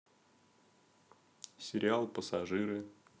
сериал пассажиры